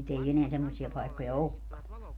nyt ei enää semmoisia paikkoja olekaan